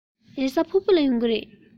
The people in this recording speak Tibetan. རེས གཟའ ཕུར བུ ལ ཡོང གི རེད